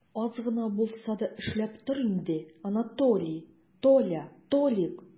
Аз гына булса да эшләп тор инде, Анатолий, Толя, Толик!